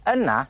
yna